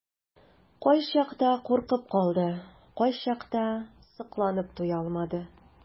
Кайчакта куркып калды, кайчакта сокланып туя алмады.